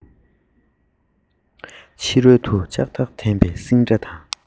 ཕྱི རོལ དུ ལྕགས ཐག འཐེན པའི སིང སྒྲ དང